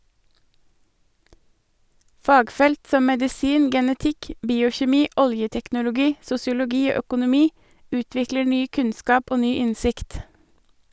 Fagfelt som medisin, genetikk , biokjemi< fp>, oljeteknologi , sosiologi og økonomi utvikler ny kunnskap og ny innsikt.